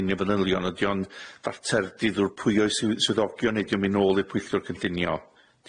yr union fanylion ydi o'n fater dyddwr pwy o'i sw- swyddogion neu ydi o'n mynd nôl i'r pwyllwr cynllunio?